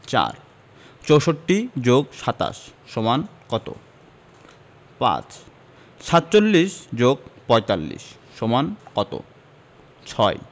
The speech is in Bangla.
৪ ৬৪ যোগ ২৭ সমান কত ৫ ৪৭ যোগ ৪৫ সমান কত ৬